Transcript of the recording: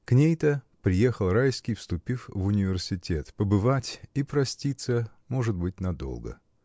К ней-то приехал Райский, вступив в университет, — побывать и проститься, может быть, надолго.